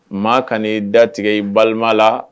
Ma ka ni datigɛ balima la